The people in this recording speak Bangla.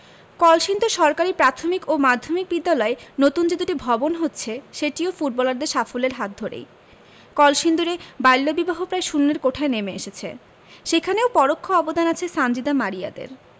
কলসিন্দুর সরকারি প্রাথমিক ও মাধ্যমিক বিদ্যালয়ে নতুন যে দুটি ভবন হচ্ছে সেটিও ফুটবলারদের সাফল্যের হাত ধরেই কলসিন্দুরে বাল্যবিবাহ প্রায় শূন্যের কোঠায় নেমে এসেছে সেখানেও পরোক্ষ অবদান আছে সানজিদা মারিয়াদের